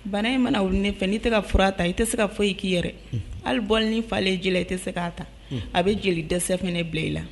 Bana e mana ne fɛ n' tɛ ka fura ta i tɛ se ka foyi i k'i yɛrɛ hali bɔ ni falenlen ji la i tɛ se k'a ta a bɛ jeli dɛsɛfɛ ne bila i la